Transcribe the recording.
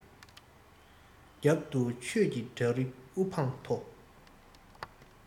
རྒྱབ ཏུ ཆོས ཀྱི བྲག རི དབུ འཕང མཐོ